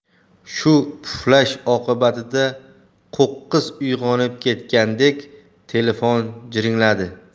shu puflash oqibatida qo'qqis uyg'onib ketgandek telefon jiringladi